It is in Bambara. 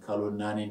Kalo 4